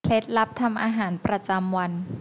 เคล็ดลับทำอาหารประจำวัน